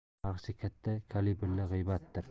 tarixchi katta kalibrli g'iybatdir